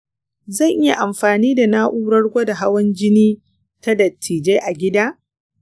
zan iya amfani da na'urar gwada hawan jini ta dijital a gida?